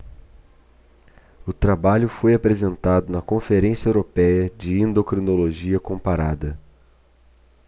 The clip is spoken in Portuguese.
o trabalho foi apresentado na conferência européia de endocrinologia comparada